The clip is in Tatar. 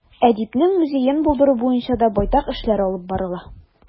Әдипнең музеен булдыру буенча да байтак эшләр алып барыла.